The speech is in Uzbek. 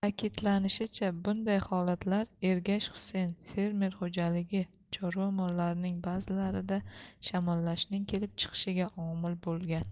ta'kidlanishicha bunday holatlar ergash husen fermer xo'jaligi chorva mollarining ba'zilarida shamollashning kelib chiqishiga omil bo'lgan